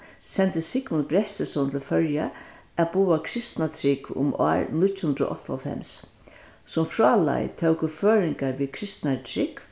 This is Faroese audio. sendi sigmund brestisson til føroya at boða kristna trúgv um ár níggju hundrað og átta og hálvfems sum frá leið tóku føroyingar við kristnari trúgv